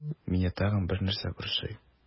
Мине тагын бер нәрсә борчый.